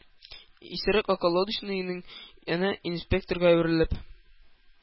Исерек околодочныйның өне инспекторга әверелеп: